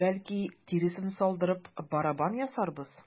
Бәлки, тиресен салдырып, барабан ясарбыз?